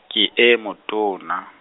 ke e motona.